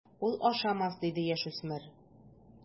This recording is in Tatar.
Ул ашамас, - диде яшүсмер.